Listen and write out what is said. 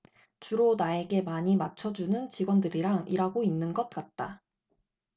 주로 나에게 많이 맞춰주는 직원들이랑 일하고 있는 것 같다